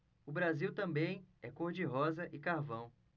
o brasil também é cor de rosa e carvão